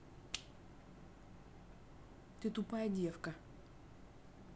ты тупая девка